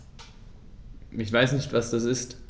Ich weiß nicht, was das ist.